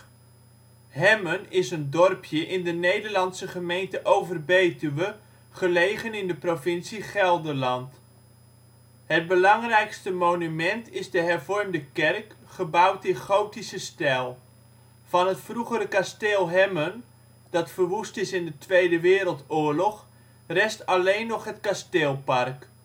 Hemmen is een dorpje in de Nederlandse gemeente Overbetuwe, gelegen in de provincie Gelderland. Het belangrijkste monument is de hervormde kerk, gebouwd in gotische stijl. Van het vroegere kasteel Hemmen (verwoest in de Tweede Wereldoorlog) rest alleen nog het kasteelpark